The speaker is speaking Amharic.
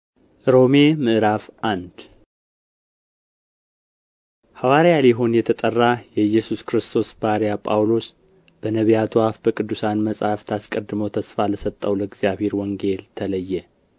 ሮሜ ምዕራፍ አንድ ሐዋርያ ሊሆን የተጠራ የኢየሱስ ክርስቶስ ባሪያ ጳውሎስ በነቢያቱ አፍ በቅዱሳን መጻሕፍት አስቀድሞ ተስፋ ለሰጠው ለእግዚአብሔር ወንጌል ተለየ